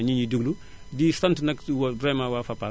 vraiment ñi ñuy déglu di sant nag souv vraiment waa Fapal